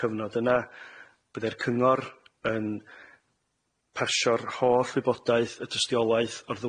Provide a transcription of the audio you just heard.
cyfnod yna bydde'r cyngor yn pasio'r holl wybodaeth y dystiolaeth o'r